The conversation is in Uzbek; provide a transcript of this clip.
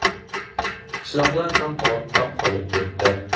qishloqlar ham ortda qolib ketdi